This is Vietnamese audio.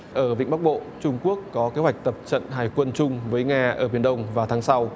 ở vịnh bắc bộ trung quốc có kế hoạch tập trận hải quân chung với nga ở biển đông vào tháng sau